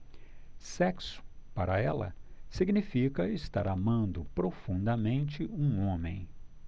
sexo para ela significa estar amando profundamente um homem